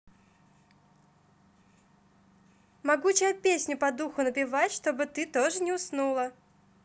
могучая песню по духу напевать чтобы ты тоже не уснула